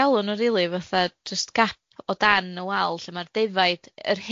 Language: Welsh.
galw nw rili fatha jyst gap o dan y wal lle ma'r defaid yr